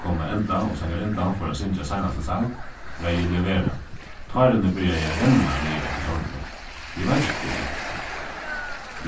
komin at enda og sangarinnan fór at syngja seinasta sang var eg leverað tárini byrjaði at renna niður eftir kjálkunum eg veit ikki hví